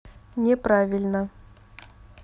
не правильно